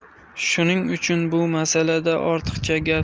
shuning uchun bu masalada ortiqcha gap